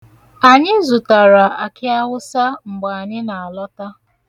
Anyị zụtara akịawụsa mgbe anyị na-alọta.